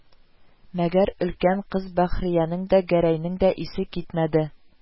Мәгәр өлкән кыз Бәхриянең дә, Гәрәйнең дә исе китмәде